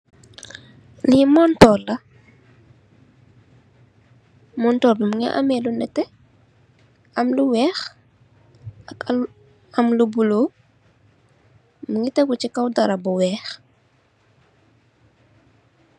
Lii montor la montor bi mungi ame lu nete, am lu weex, ci law am lu bulo, mungi tegu ci kaw darap bu weex.